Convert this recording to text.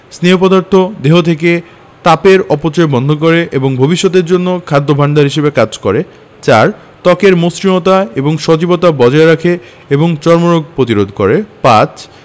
স্নেহ পদার্থ দেহ থেকে তাপের অপচয় বন্ধ করে এবং ভবিষ্যতের জন্য খাদ্য ভাণ্ডার হিসেবে কাজ করে ৪. ত্বকের মসৃণতা এবং সজীবতা বজায় রাখে এবং চর্মরোগ প্রতিরোধ করে ৫